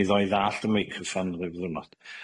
Mi ddoi ddallt y meicroffon ryw ddwrnod.